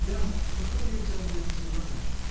— Да, потом ее взял Леонтий Иванович.